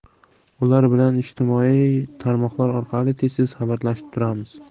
ular bilan ijtimoiy tarmoqlar orqali tez tez xabarlashib turamiz